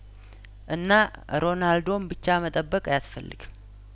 እና ሮናልዶን ብቻ መጠበቅ አያስፈልግም